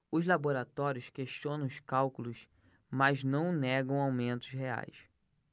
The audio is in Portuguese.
os laboratórios questionam os cálculos mas não negam aumentos reais